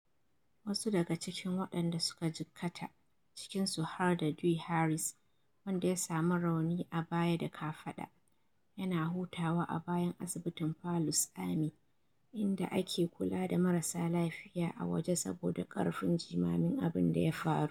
Wasu daga cikin waɗanda suka jikkata, cikinsu har da Dwi Haris, wanda ya sami rauni a baya da kafada, yana hutawa a bayan asibitin Palu’s Army, inda ake kula da marasa lafiya a waje saboda karfin Jiamamin abun da ya faru.